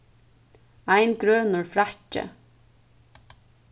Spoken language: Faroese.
ein grønur frakki